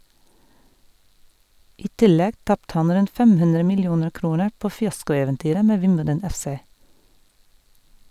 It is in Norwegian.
I tillegg tapte han rundt 500 millioner kroner på fiaskoeventyret med Wimbledon FC.